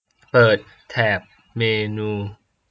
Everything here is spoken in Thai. เปิดแถบเมนู